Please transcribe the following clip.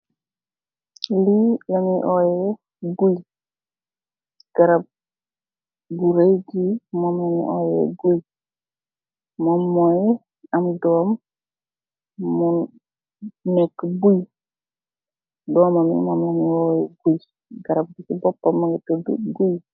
Li lenyui oyeh gui garab bu raay gu momm lenyui oyeh gooi maag moom moi am dom mom mo neka booi domam bi momm lenyui oyeh booi garab bi si bopam mogi tuda gooi.